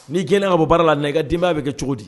N'i gɛnna ka bɔ baara la, n'i la i ka denbaya bɛ kɛ cogo di?